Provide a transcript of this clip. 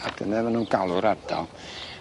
A dyne ma' nw'n galw'r ardal.